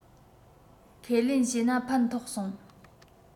ཁས ལེན བྱས ན ཕན ཐོགས སོང